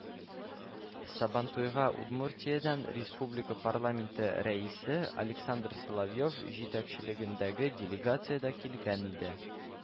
Сабантуйга Удмуртиядән республика Парламенты Рәисе Александр Соловьев җитәкчелегендәге делегация дә килгән иде